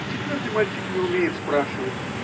Четвертый мальчик не умеет спрашивать.